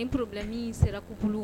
Nin problème sera couple